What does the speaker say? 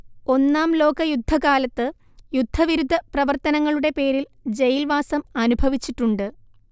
ഒന്നാം ലോകയുദ്ധകാലത്ത് യുദ്ധവിരുദ്ധ പ്രവർത്തനങ്ങളുടെ പേരിൽ ജയിൽവാസം അനുഭവിച്ചിട്ടുണ്ട്